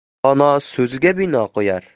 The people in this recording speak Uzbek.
dono so'ziga bino